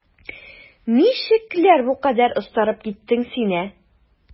Ничекләр бу кадәр остарып киттең син, ә?